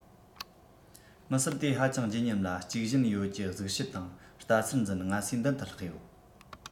མི སྲིད དེ ཧ ཅང བརྗིད ཉམས ལ གཅིག གཞན ཡོད ཀྱི གཟུགས བྱད དང ལྟ ཚུལ འཛིན ང ཚོའི མདུན དུ ལྷགས ཡོད